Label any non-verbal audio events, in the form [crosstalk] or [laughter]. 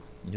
[hesitation] [hesitation]